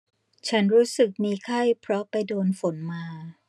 ฉันรู้สึกมีไข้เพราะไปโดนฝนมา